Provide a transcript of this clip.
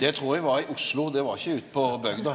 det trur eg var i Oslo, det var ikkje ute på bygda.